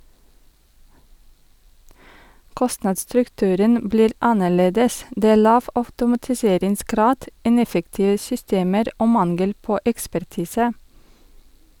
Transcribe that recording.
- Kostnadsstrukturen blir annerledes , det er lav automatiseringsgrad, ineffektive systemer og mangel på ekspertise.